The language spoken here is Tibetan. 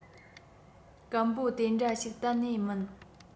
སྐམ པོ དེ འདྲ ཞིག གཏན ནས མིན